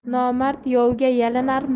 nomard yovga yalinar